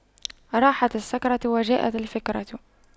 راحت السكرة وجاءت الفكرة